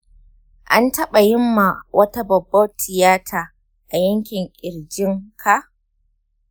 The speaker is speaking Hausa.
an taɓa yin ma wata babbar tiyata a yankin ƙirjin ka?